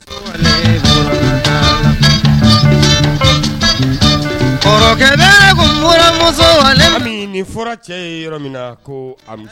Ami ni fɔra cɛ ye yɔrɔ min na